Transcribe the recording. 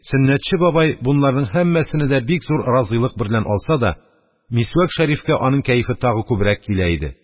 Сөннәтче бабай бунларның һәммәсене дә бик зур разыйлык берлән алса да, мисвәк шәрифкә аның кәефе тагы күбрәк килә иде.